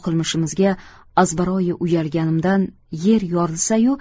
bu qilmishimizga azbaroyi uyalganimdan yer yorilsa yu